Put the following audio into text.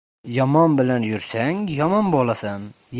yomon bilan yursang yomon boiasan